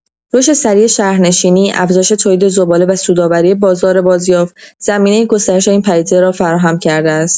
رشد سریع شهرنشینی، افزایش تولید زباله و سودآوری بازار بازیافت، زمینه گسترش این پدیده را فراهم کرده است.